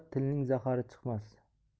tilning zahari chiqmas